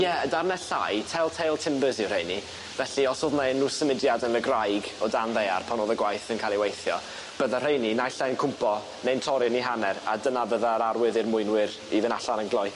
Ie y darne llai tell tale timbers yw rheini felly os o'dd 'na unryw symudiad yn y graig o dan ddaear pan o'dd y gwaith yn ca'l ei weithio bydda rheini naill ai'n cwmpo neu'n torri yn 'u hanner a dyna fydda'r arwydd i'r mwynwyr i fyn' allan yn gloi.